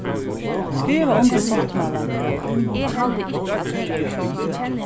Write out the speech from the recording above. skriva undir sáttmálan her